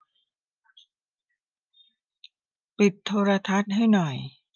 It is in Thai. ปิดโทรทัศน์ให้หน่อย